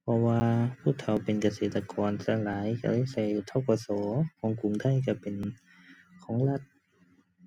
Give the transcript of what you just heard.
เพราะว่าผู้เฒ่าเป็นเกษตรกรซะหลายใช้เลยใช้ ธ.ก.ส. ของกรุงไทยใช้เป็นของรัฐ